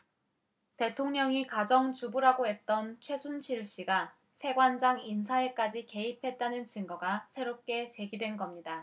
대통령이 가정주부라고 했던 최순실씨가 세관장 인사에까지 개입했다는 증거가 새롭게 제기된겁니다